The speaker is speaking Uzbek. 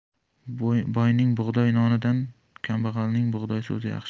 boyning bug'doy nonidan kambag'alning bug'doy so'zi yaxshi